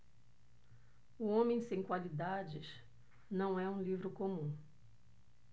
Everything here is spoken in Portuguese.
o homem sem qualidades não é um livro comum